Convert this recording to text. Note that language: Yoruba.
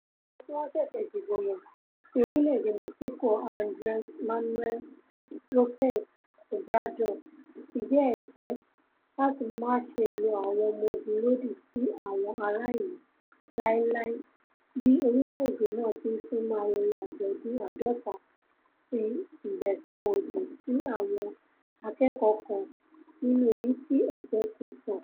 Ààrẹ-tíwọnṣẹ̀ṣẹ̀-dìbòyàn ti orílẹ̀-èdè Mẹ́ṣíkò Andres Manuel Lopez Obrador ti jẹ́ ẹ̀jẹ́ láti máṣe lo àwọn ọmọ ogun lòdì sí àwọn ara ìlú láíláí bí orílẹ̀-èdè náà ti ńsúnmọ́ ayẹyẹ àjọ̀dún àádọ́tá ti ìgbẹ̀san òdì sí àwọn akẹ́kọ̀ọ́ kan nínú èyití ẹ̀jẹ̀ ti sàn.